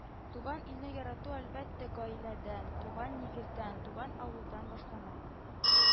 Туган илне ярату, әлбәттә, гаиләдән, туган нигездән, туган авылдан башлана